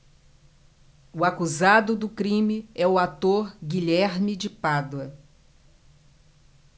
o acusado do crime é o ator guilherme de pádua